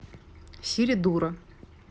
сири дура